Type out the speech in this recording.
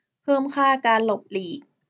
เพิ่มค่าการหลบหลีก